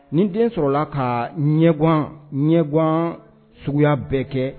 Nin den sɔrɔla la ka ɲɛ ɲɛɲɔgɔn suguya bɛɛ kɛ